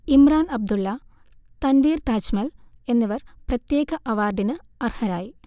ഇമ്രാൻ അബ്ദുല്ല, തൻവീർ താജ്മൽ എന്നിവർ പ്രത്യേക അവാർഡിന് അർഹരായി